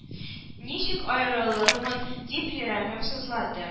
Ничек аерылырмын дип йөрәгем сызлады